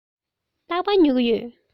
རྟག པར ཉོ གི ཡོད